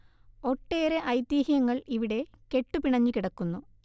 ഒട്ടെറെ ഐതിഹ്യങ്ങൾ ഇവിടെ കെട്ടു പിണഞ്ഞു കിടക്കുന്നു